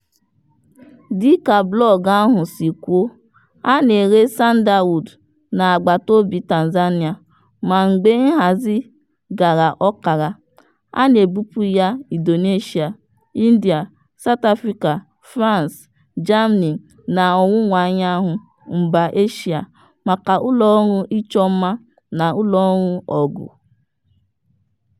Dịka blọọgụ ahụ si kwuo, a na-ere sandalwood n'agbataobi Tanzania ma mgbe nhazi gara ọkara, a na-ebupụ ya "Indonesia, India, South Africa, France, Germany na n'ọwụwaanyanwụ mba Asia maka ụlọọrụ ịchọmma na ụlọọrụ ọgwụ".